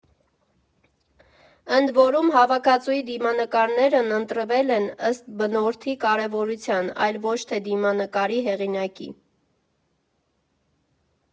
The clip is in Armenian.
Ընդ որում, հավաքածուի դիմանկարներն ընտրվել են ըստ բնորդի կարևորության, այլ ոչ թե դիմանկարի հեղինակի։